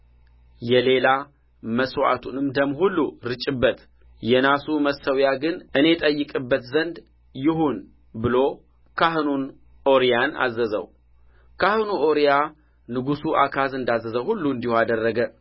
የሌላ መሥዋዕቱንም ደም ሁሉ ርጭበት የናሱ መሠዊያ ግን እኔ እጠይቅበት ዘንድ ይሁን ብሎ ካህኑን ኦርያን አዘዘው ካህኑ ኦርያ ንጉሡ አካዝ እንዳዘዘው ሁሉ እንዲሁ አደረገ